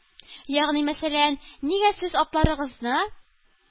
Ягъни мәсәлән, нигә сез атларыгызны